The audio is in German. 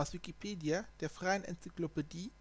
Wikipedia, der freien Enzyklopädie